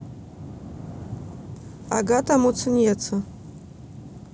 агата муцениеце